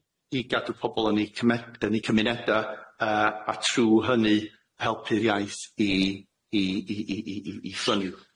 Helpu i gadw pobol yn eu cyme- yn eu cymuneda yy a trw hynny helpu'r iaith i i i i i i i llynnu.